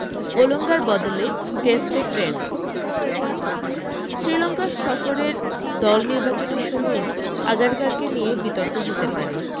ওলোঙ্গার বদলে টেস্টে ফ্রেন্ড শ্রীলঙ্কা সফরের দল নির্বাচনের সময়ও আগারকারকে নিয়ে বিতর্ক হতে পারে